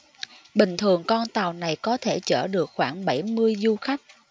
bình thường con tàu này có thể chở được khoảng bảy mươi du khách